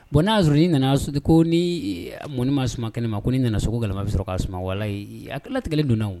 Bon n'a sɔrɔ i nana soti ko ni mɔnɔnima su kɛnɛ ma ko nin nana sogo kɛlɛ bɛ sɔrɔ k' wala atigɛ donna